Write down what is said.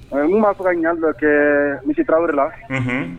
N tun b'a fɛ ka ɲininkali dɔ kɛ monsieur Tarawele la, unhun